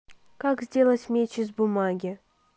как сделать меч из бумаги